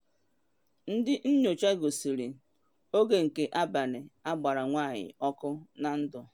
Ndị nyocha gosiri oge nke abalị agbara nwanyị ọkụ na ndụ